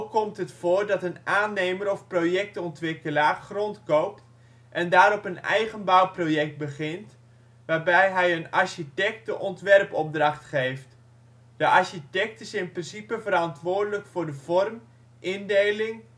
komt het voor dat een aannemer of projectontwikkelaar grond koopt en daarop een eigen bouwproject begint, waarbij hij een architect de ontwerpopdracht geeft. De architect is in principe verantwoordelijk voor de vorm, indeling